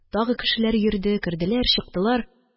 Тагы кешеләр йөрде, керделәр, чыктылар.